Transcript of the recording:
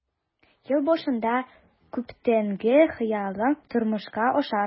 Ел башында күптәнге хыялың тормышка ашар.